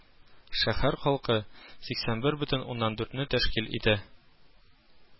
Шәһәр халкы сиксән бер бөтен уннан дүртне тәшкил итә